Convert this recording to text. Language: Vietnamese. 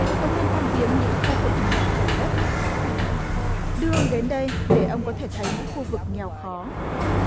ông nên thăm viếng những khu vực nghèo khổ nhất đưa ông đến đây để ông có thể thấy những khu vực nghèo khó